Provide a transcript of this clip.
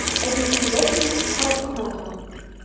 Әби эндәшми, карап кына тора.